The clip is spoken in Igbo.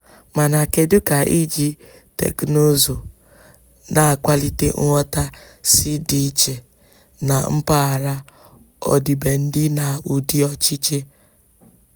Mana kedu ka iji teknụzụ na-akwalite nghọta si dị iche na mpaghara, ọdịbendị na ụdị ọchịchị?